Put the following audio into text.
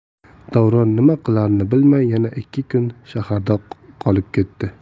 davron nima qilarini bilmay yana ikki kun shaharda qolib ketdi